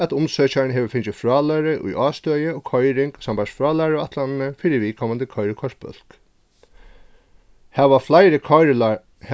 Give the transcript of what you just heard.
at umsøkjarin hevur fingið frálæru í ástøði og koyring sambært frálæruætlanini fyri viðkomandi koyrikortsbólk hava fleiri